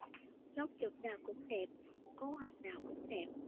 góc chụp nào cũng đẹp cú hình nào cũng đẹp